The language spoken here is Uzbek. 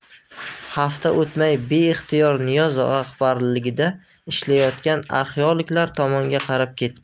hafta o'tmay beixtiyor niyoz rahbarligida ishlayotgan arxeologlar tomonga qarab ketdi